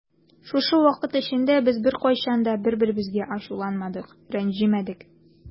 Шушы вакыт эчендә без беркайчан да бер-беребезгә ачуланмадык, рәнҗемәдек.